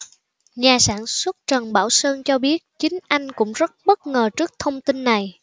nhà sản xuất trần bảo sơn cho biết chính anh cũng rất bất ngờ trước thông tin này